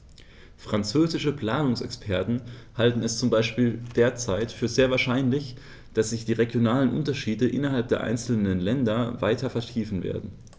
Französische Planungsexperten halten es zum Beispiel derzeit für sehr wahrscheinlich, dass sich die regionalen Unterschiede innerhalb der einzelnen Länder weiter vertiefen werden.